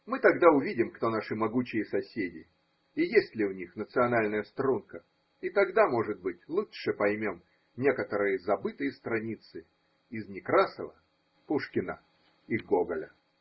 Мы тогда увидим, кто наши могучие соседи и есть ли у них национальная струнка, и тогда, может быть, лучше поймем некоторые забытые страницы из Некрасова, Пушкина и Гоголя.